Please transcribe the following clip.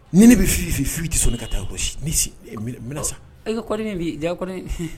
Ni bɛ fi fɛ fi tɛ sɔn ne ka taa mina san i kain ja ko